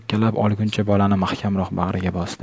cho'kkalab olganicha bolani mahkamroq bag'riga bosdi